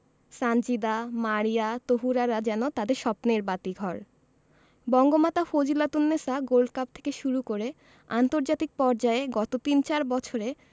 সানজিদা মারিয়া তহুরারা যেন তাদের স্বপ্নের বাতিঘর বঙ্গমাতা ফজিলাতুন্নেছা গোল্ড কাপ থেকে শুরু করে আন্তর্জাতিক পর্যায়ে গত তিন চার বছরে